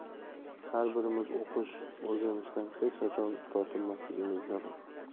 har birimiz o'qish o'rganishdan hech qachon tortinmasligimiz zarur